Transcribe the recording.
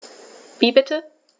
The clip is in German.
Wie bitte?